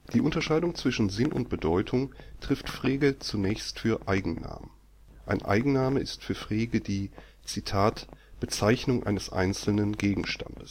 Die Unterscheidung zwischen Sinn und Bedeutung trifft Frege zunächst für „ Eigennamen “. Ein Eigenname ist für Frege die „ Bezeichnung eines einzelnen Gegenstandes